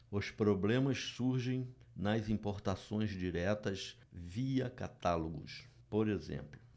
os problemas surgem nas importações diretas via catálogos por exemplo